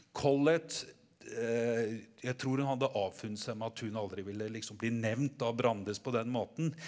Collett jeg tror hun hadde avfunnet seg med at hun aldri ville liksom bli nevnt av Brandes på den måten.